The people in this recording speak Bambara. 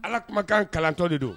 Ala kumakan kalantɔ de don